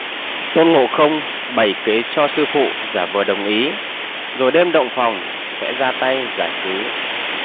tôn ngộ không bày kế cho sư phụ giả vờ đồng ý rồi đêm động phòng sẽ ra tay giải cứu